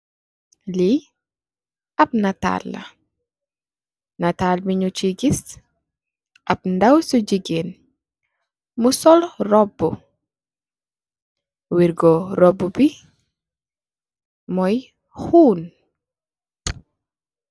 Li ap nital la, nital bi ñiñ ci gis ap daw su gigeen mu sol rubu wirgo rubu bi moy xun.